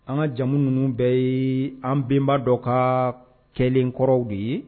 An ka jamu ninnu bɛɛ ye, an bɛnba dɔ kaa kɛlen kɔrɔw de ye